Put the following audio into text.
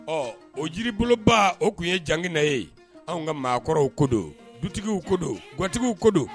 Ɔ o jiri boloba o tun ye jankina ye anw ka maakɔrɔw ko don dutigiww ko don gawatigiww ko don